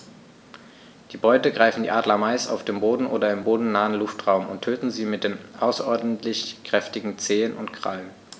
Die Beute greifen die Adler meist auf dem Boden oder im bodennahen Luftraum und töten sie mit den außerordentlich kräftigen Zehen und Krallen.